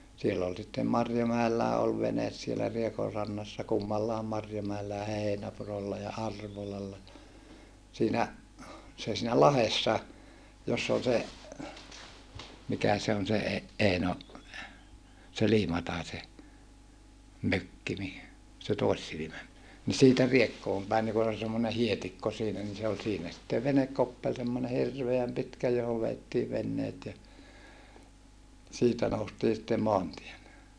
siellä oli sitten Marjomäelläkin oli vene siellä Riekonrannassa kummallakin Marjomäellä ja Heinäpurolla ja Arvolalla siinä se siinä lahdessa jossa oli se mikä se on se - Eino se Liimataisen mökki niin se toissilmä niin siitä Riekkoon päin niin kun oli se semmoinen hietikko siinä niin se oli siinä sitten venekkoppeli semmoinen hirveän pitkä johon vedettiin veneet ja siitä noustiin sitten maantielle